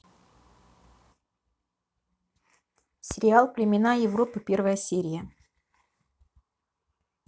сериал племена европы первая серия